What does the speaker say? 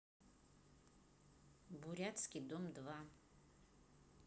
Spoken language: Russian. бурятский дом два